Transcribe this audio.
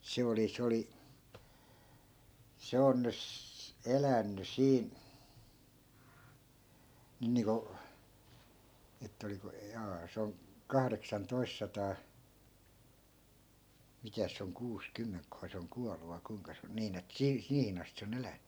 se oli se oli se on - elänyt siinä nyt niin kuin että oliko jaa se on kahdeksantoista sataa mitäs se on kuusikymmentäköhän se on kuollut vai kuinka se on niin että - siihen asti se on elänyt